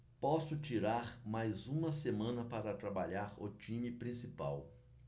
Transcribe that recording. posso tirar mais uma semana para trabalhar o time principal